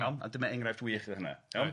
...iawn a dyma enghraifft wych oedd hynna iawn?